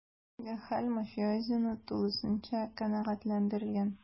Әлеге хәл мафиозины тулысынча канәгатьләндергән: